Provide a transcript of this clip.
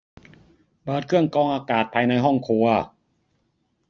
เปิดเครื่องกรองอากาศภายในห้องครัว